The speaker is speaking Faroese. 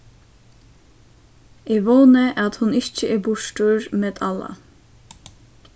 eg vóni at hon ikki er burtur med alla